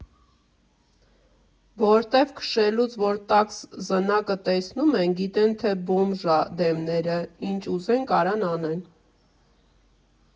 Որտև քշելուց որ տաքս զնակը տեսնում են, գիտեն թե բոմժ ա դեմները, ինչ ուզեն կարան անեն։